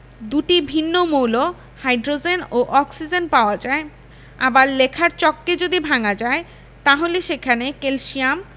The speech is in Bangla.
দুটি ভিন্ন মৌল হাইড্রোজেন ও অক্সিজেন পাওয়া যায় আবার লেখার চককে যদি ভাঙা যায় তাহলে সেখানে ক্যালসিয়াম